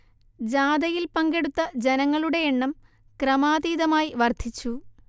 ജാഥയിൽ പങ്കെടുത്ത ജനങ്ങളുടെ എണ്ണം ക്രമാതീതമായി വർദ്ധിച്ചു